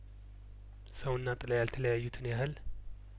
ሰውና ጥላ ያልተለያዩትን ያህል